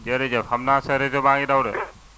jërëjëf xam naa sa réseau baa ngi daw de